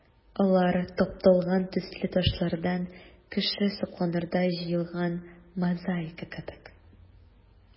Алар тапталган төсле ташлардан кеше сокланырдай җыелган мозаика кебек.